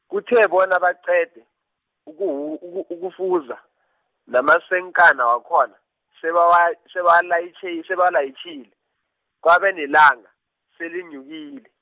kuthe bona baqede, ukuwu- uku- ukuwufuza, namasenkana wakhona, sebawa- sebawalayitjhe, sebawalayitjhile, kwabe nelanga, selenyukile.